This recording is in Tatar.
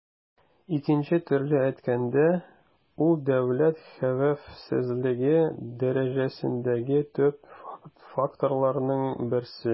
Икенче төрле әйткәндә, ул дәүләт хәвефсезлеге дәрәҗәсендәге төп факторларның берсе.